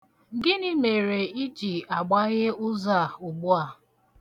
Gịnị mere ị ji agbaghe ụzọ a ugbu a?